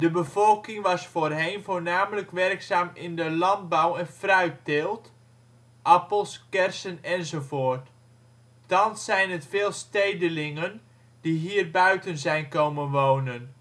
bevolking was voorheen voornamelijk werkzaam in de landbouw/fruitteelt (appels, kersen enz.). Thans zijn het veel stedelingen die hier buiten zijn komen wonen